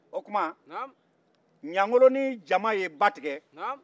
o tuma ɲangolo ni jama ye ba tigɛ